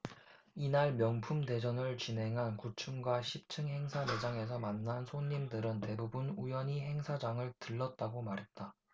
이날 명품대전을 진행한 구 층과 십 층 행사 매장에서 만난 손님들은 대부분 우연히 행사장을 들렀다고 말했다